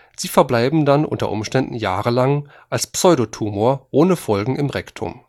Sie verbleiben dann unter Umständen jahrelang als Pseudotumor ohne Folgen im Rektum